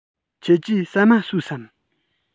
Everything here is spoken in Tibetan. ཁྱེད ཀྱིས ཟ མ ཟོས སམ